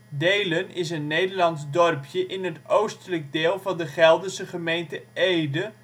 Deelen is een Nederlands dorpje in het oostelijk deel van de Gelderse gemeente Ede